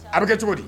A bɛ kɛ cogo di?